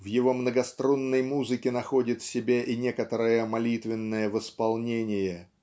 в его многострунной музыке находит себе и некоторое молитвенное восполнение